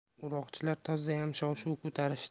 o'roqchilar tozayam shov shuv ko'tarishdi